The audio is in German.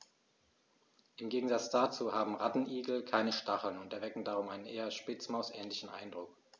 Im Gegensatz dazu haben Rattenigel keine Stacheln und erwecken darum einen eher Spitzmaus-ähnlichen Eindruck.